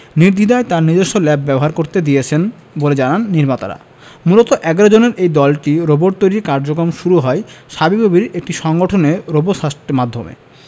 নির্দ্বিধায় তার নিজস্ব ল্যাব ব্যবহার করতে দিয়েছেন বলে জানান নির্মাতারামূলত ১১ জনের এই দলটির রোবট তৈরির কার্যক্রম শুরু হয় শাবিপ্রবির একটি সংগঠন রোবোসাস্টের মাধ্যমে